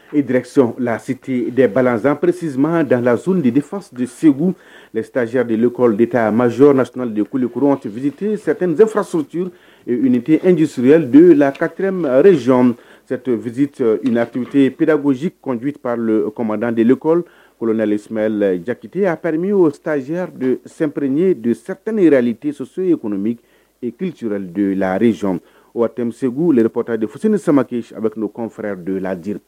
Idrreson lasite de bazpresi daz defas segu taz dekɔ de ta a mazo nasona de koliurante vte-t7efasociur tɛ njiury don la katereme rezson sɛt vztttipteeperedkosi kɔnditipril kɔmadde kɔ kolondas la jakiteyapreme oo szsi don pree don saterlite sɔso ye kɔnɔ mi kiirisiurli don larezt pta de fu ni samabake a bɛpɛrɛ don dirite